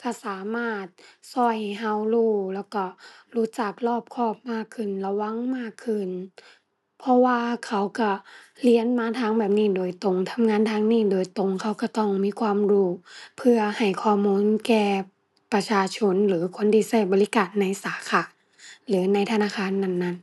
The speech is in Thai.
ถ้าสามารถเราให้เรารู้แล้วเรารู้จักรอบคอบมากขึ้น ระวังมากขึ้น เพราะว่าเขาเราเรียนมาทางแบบนี้โดยตรง ทำงานทางนี้โดยตรง เขาเราต้องมีความรู้เพื่อให้ข้อมูลแก่ประชาชนหรือคนที่เราบริการในสาขาหรือในธนาคารนั้นนั้น